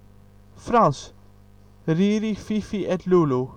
Frans: Riri, Fifi et Loulou